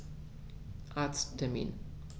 Arzttermin